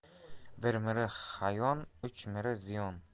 bir miri hayon uch miri ziyon